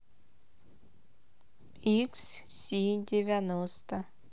икс си девяносто